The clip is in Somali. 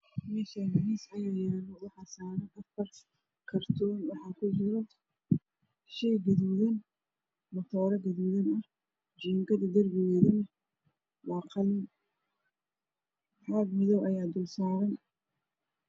Meeshaan miis ayaa yaalo waxaa saaran afar kartoon waxaa kujiro matooro gaduudan. Jiingada darbigeeda waa qalin caag madow ayaa dulsaaran.